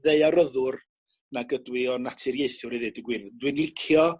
ddaearyddwr nag ydw i o naturiaethwr i ddeud y gwir dwi'n licio